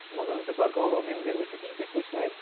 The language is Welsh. ma' nw'n debygol o mynd i'r wicipedia Saesneg.